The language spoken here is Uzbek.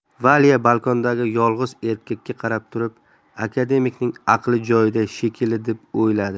valya balkondagi yolg'iz erkakka qarab turib akademik ning aqli joyida shekilli deb o'yladi